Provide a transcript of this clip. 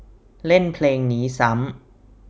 เล่นเพลงนี้ซ้ำ